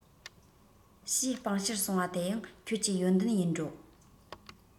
ཞེས སྤང བྱར གསུངས པ དེ ཡང ཁྱོད ཀྱི ཡོན ཏན ཡིན འགྲོ